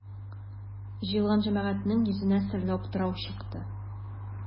Җыелган җәмәгатьнең йөзенә серле аптырау чыкты.